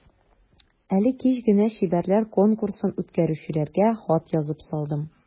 Әле кичә генә чибәрләр конкурсын үткәрүчеләргә хат язып салдым.